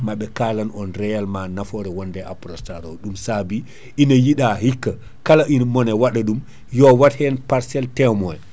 maaɓe kalan on réellement nafoore wonde e Aprostar ɗum saabi ina yiiɗa hikka kala ina mone waɗa ɗum yo wat hen parcelle témoin